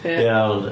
Iawn.